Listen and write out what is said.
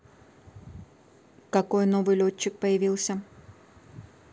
какой новый летчик появился